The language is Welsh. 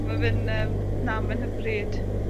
Ma' fe'n yym, na ma'n hyfryd.